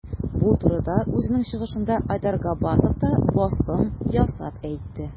Бу турыда үзенең чыгышында Айдар Габбасов та басым ясап әйтте.